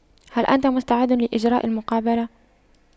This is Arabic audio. هل أنت مستعد لإجراء المقابلة